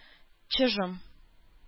Чыжым